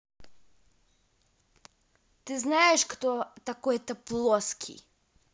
ты знаешь кто такой то плоский